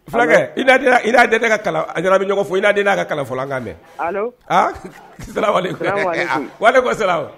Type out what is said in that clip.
Fulakɛ'a ka kalan a jara bɛ ɲɔgɔnɔgɔfɔ fɔ i'denya' ka kalanfɔlɔlankan dɛ waati bɔ sera